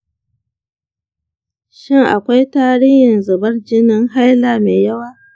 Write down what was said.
shin akwai tarihin zubar jinin haila mai yawa ?